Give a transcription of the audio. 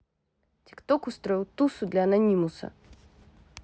тик ток устроил тусу для анонимуса